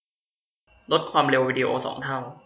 ลดความเร็ววีดีโอสองเท่า